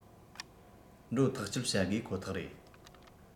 འགྲོ ཐག གཅོད བྱ དགོས ཁོ ཐག རེད